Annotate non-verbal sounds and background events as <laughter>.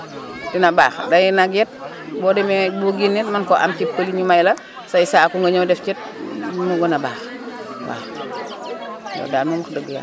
<crosstalk> dina baax dayu nag yeek boo demee boo génnee mën ko am ci pël yi ñu may la <crosstalk> say saako nga ñew def ci mu gën a baax <crosstalk> waaw loolu daal moom wax dëgg yàlla